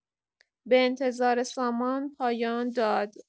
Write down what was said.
به انتظار سامان پایان داد.